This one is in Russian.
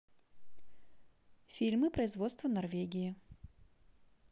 фильмы производства норвегии